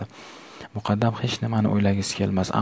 muqaddam hech nimani o'ylagisi kelmas